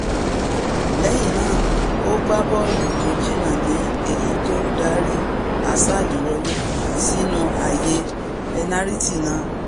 Lẹ́yìn náà ó gbá bọ́ọ̀lù tó jiná ní èyí tó darí Hazard wọlé sínú àyè pẹnáritì náà.